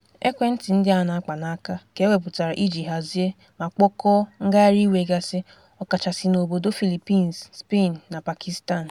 Ekwentị ndị a na-akpanaka ka ewepụtara iji hazie ma kpọkọọ ngagharị iwe gasị – ọkachasị n'obodo Philippines, Spain na Pakistan.